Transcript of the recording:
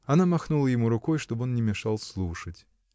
Она махнула ему рукой, чтоб он не мешал слушать.